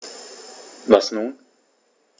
Was nun?